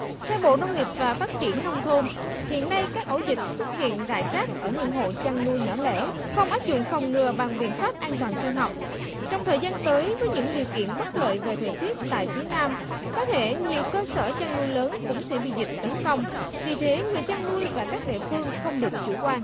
theo bộ nông nghiệp và phát triển nông thôn hiện nay các ổ dịch xuất hiện rải rác ở những hộ chăn nuôi nhỏ lẻ không áp dụng phòng ngừa bằng biện pháp an toàn sinh học trong thời gian tới với những điều kiện bất lợi về thời tiết tại phía nam có thể nhiều cơ sở chăn nuôi lớn cũng sẽ bị dịch tấn công vì thế người chăn nuôi và các địa phương không được chủ quan